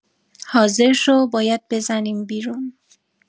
حاضر شو باید بزنیم بیرون